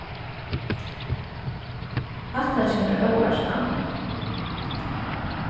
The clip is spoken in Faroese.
hatta kemur óvart á meg